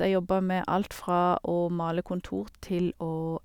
Jeg jobba med alt fra å male kontor til å...